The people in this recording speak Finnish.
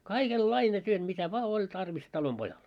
kaikenlainen työt mitä vain oli tarvis talonpojalle